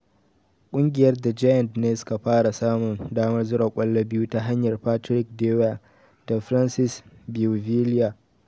Kungiyar The Giants ne suka fara samun damar zura kwallo biyu ta hanyar Patrick Dwyer da Francis Beauvillier.